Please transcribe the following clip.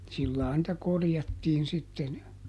sillä lailla niitä korjattiin sitten